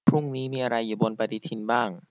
พรุ่งนี้มีอะไรอยู่บนปฎิทินบ้าง